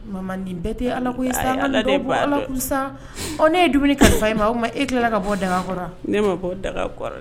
Manden bɛɛ tɛ ala ko sa ne ye dumuni kalifa ye ma o e tilala ka bɔ daga kɔrɔ ne ma daga